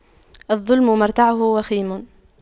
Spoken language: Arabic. الظلم مرتعه وخيم